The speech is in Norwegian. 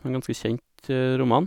En ganske kjent roman.